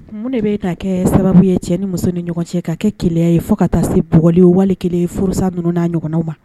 Mun de bɛ' kɛ sababu ye cɛ ni muso ni ɲɔgɔn cɛ ka kɛ ke ye fo ka taa se bli wali kelen furusa ninnu na ɲɔgɔnw ma